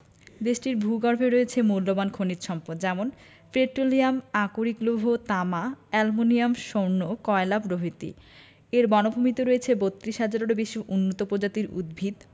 দেশটির ভূগর্ভে রয়েছে মুল্যবান খনিজ সম্পদ যেমন পেট্রোলিয়াম আকরিক লৌহ তামা অ্যালমুনিয়াম স্বর্ণ কয়লা প্রভিতি এর বনভূমিতে রয়েছে ৩২ হাজারেরও বেশি উন্নত পজাতির উদ্ভিত